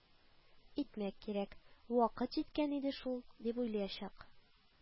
Итмәк кирәк, вакыт җиткән иде шул» дип уйлаячак